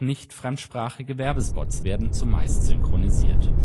nicht-fremdsprachige Werbespots werden zumeist synchronisiert.